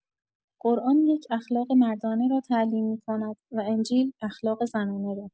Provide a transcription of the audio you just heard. قرآن یک اخلاق مردانه را تعلیم می‌کند و انجیل اخلاق زنانه را